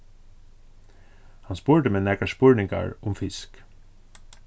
hann spurdi meg nakrar spurningar um fisk